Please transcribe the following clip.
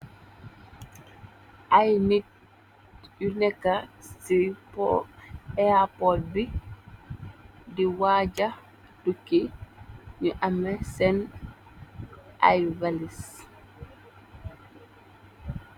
Ay nit yu nekka ci airport bi, di waajax tukki ñu ame seen aivallis.